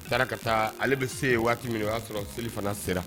U tara ka taa ale bɛ se ye waati min na o y'a sɔrɔ selifana sera